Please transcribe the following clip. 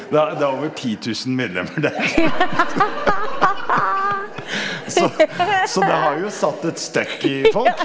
det er det er over titusen medlemmer der så så det har jo satt et støkk i folk.